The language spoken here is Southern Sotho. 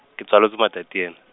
ke tswaletse Matatiele.